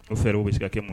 O fɛɛrɛw bɛ se ka kɛ mun ye?